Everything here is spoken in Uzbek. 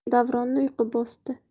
davronni uyqu bosdi